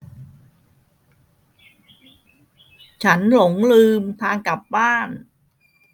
ฉันหลงลืมทางกลับบ้าน